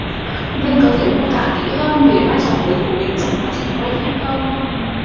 vân có thể mô tả kỹ hơn về vai trò mới của mình trong quá trình quay phim không